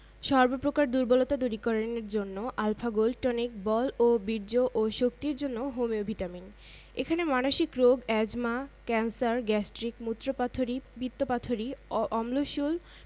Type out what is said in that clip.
১৩ গল্প একদিন উত্তর হাওয়া এবং সূর্য তর্ক করছিল তাদের মধ্যে কে বেশি শক্তিমান সেই মুহূর্তে ভারি চাদর পরা একজন পথিক তাদের দিকে হেটে আসেন